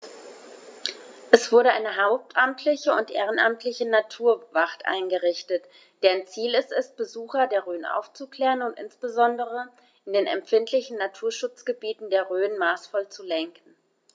Es wurde eine hauptamtliche und ehrenamtliche Naturwacht eingerichtet, deren Ziel es ist, Besucher der Rhön aufzuklären und insbesondere in den empfindlichen Naturschutzgebieten der Rhön maßvoll zu lenken.